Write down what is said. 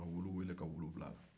ka wulu weele ka wulu bila a la